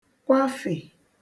kwafè